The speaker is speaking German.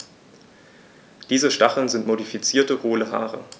Diese Stacheln sind modifizierte, hohle Haare.